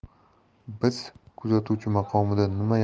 biz kuzatuvchi maqomida nima